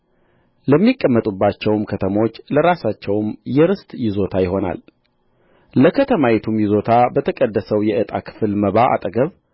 ለሚቀመጡባቸውም ከተሞች ለራሳቸውም የርስት ይዞታ ይሆናል ለከተማይቱም ይዞታ በተቀደሰው የዕጣ ክፍል መባ አጠገብ